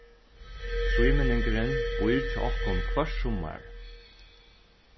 trímenningurin býr hjá okkum hvørt summar